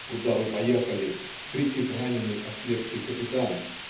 куда вы поехали!" - кричит раненый, ослепший капитан.